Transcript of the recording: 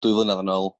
dwy flynadd yn ôl